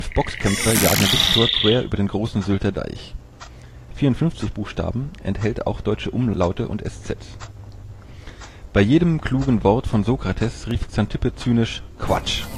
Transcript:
Boxkämpfer jagen Viktor quer über den großen Sylter Deich (54 Buchstaben, enthält auch deutsche Umlaute und Eszett.) Bei jedem klugen Wort von Sokrates rief Xanthippe zynisch: Quatsch